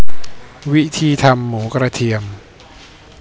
วิธีทำหมูกระเทียม